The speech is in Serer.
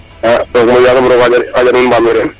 a yasam roga xaƴa in mbamir in